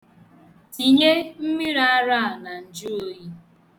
Tinye mmiriara a na njuoyi.